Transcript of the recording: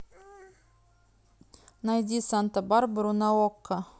найди санта барбару на окко